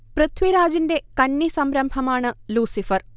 പൃഥ്വിരാജിന്റെ കന്നി സംരംഭമാണ് ലൂസിഫർ